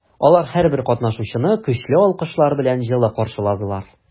Алар һәрбер катнашучыны көчле алкышлар белән җылы каршыладылар.